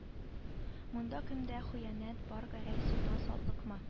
Монда кемдә хыянәт бар гәрәй солтан сатлыкмы